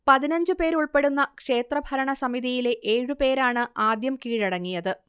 പതിനഞ്ചുപേരുൾപ്പെടുന്ന ക്ഷേത്രഭരണസമിതിയിലെ ഏഴുപേരാണ് ആദ്യം കീഴടങ്ങിയത്